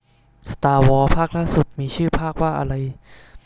สตาร์วอร์ภาคล่าสุดมีชื่อภาคว่าอะไร